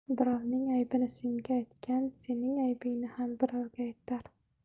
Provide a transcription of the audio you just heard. birovning aybini senga aytgan sening aybingni ham birovga aytar